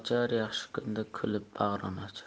yaxshi kunda kulib bag'rin ochar